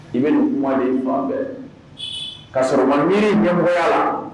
I bɛ nin kuma de ye fan bɛɛ, kasɔrɔ u ma miiri ɲɛmɔgɔya la